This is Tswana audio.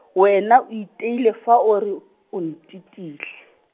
wena o itiile fa o re, o ntetile.